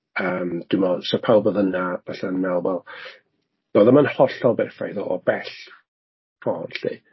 Yym dwi'n meddwl s- pawb oedd yna falle'n meddwl, "wel doedd o'm yn hollol berffaidd o bell ffordd 'lly".